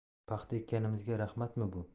paxta ekkanimizga rahmatmi bu